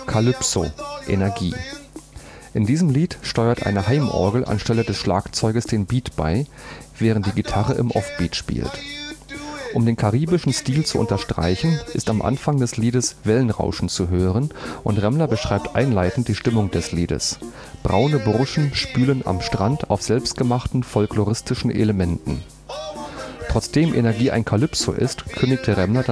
Calypso („ Energie “): In diesem Lied steuert eine Heimorgel anstelle des Schlagzeugs den Beat bei, während die Gitarre im Offbeat spielt. Um den karibischen Stil zu unterstreichen, ist am Anfang des Liedes Wellenrauschen zu hören, und Remmler beschreibt einleitend die Stimmung des Liedes: „ Braune Burschen spülen am Strand auf selbstgemachten folkloristischen Elementen [...]. “Trotzdem „ Energie “ein Calypso ist, kündigte Remmler